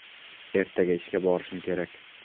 ertaga ishga borishim kerak